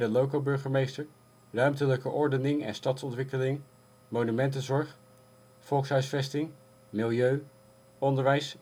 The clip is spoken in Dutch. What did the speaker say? loco-burgemeester, ruimtelijke ordening en stadsontwikkeling, monumentenzorg, volkshuisvesting, milieu, onderwijs